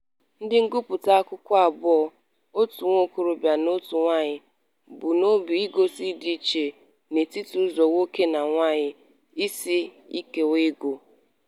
Ndị ngụpụta akụkọ abụọ, otu nwa okorobịa na otu nwaanyị, bu n'obi igosi ndịiche dị n'etiti ụzọ nwoke na nwaanyị si echekwa ego.